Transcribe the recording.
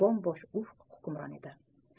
bo'm bo'sh ufq hukmron edi